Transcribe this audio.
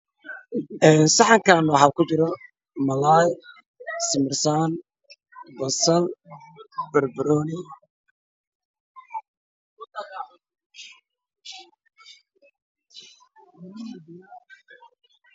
Saxankaan waxaa saaran malay simir soon, basal barborooni